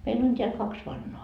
meillä on täällä kaksi vannaa